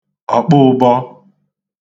ọ̀kpụụbọ